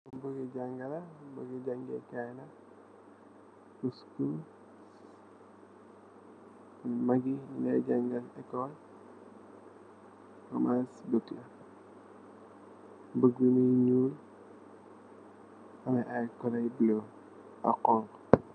bugi janga la bogi jangeh Kai la pur skool magi Lai janga ekol maths book la book bi mungi nyool am ay cola yu bulo ak xonxu